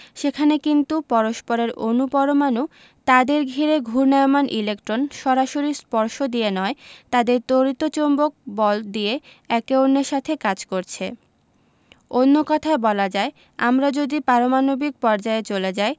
সেখানে কিন্তু পরস্পরের অণু পরমাণু তাদের ঘিরে ঘূর্ণায়মান ইলেকট্রন সরাসরি স্পর্শ দিয়ে নয় তাদের তড়িৎ চৌম্বক বল দিয়ে একে অন্যের সাথে কাজ করছে অন্য কথায় বলা যায় আমরা যদি পারমাণবিক পর্যায়ে চলে যাই